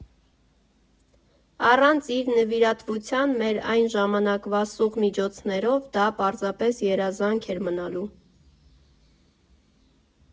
Առանց իր նվիրատվության մեր այն ժամանակվա սուղ միջոցներով դա պարզապես երազանք էր մնալու։